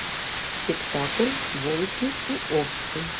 спектакль волки и овцы